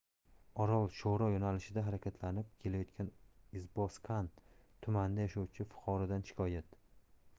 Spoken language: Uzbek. orol sho'ro yo'nalishida harakatlanib kelayotgan izboskan tumanida yashovchi fuqarodan shikoyat